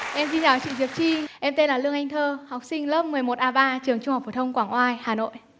em xin chào chị diệp chi em tên là lương anh thơ học sinh lớp mười một a ba trường trung học phổ thông quảng oai hà nội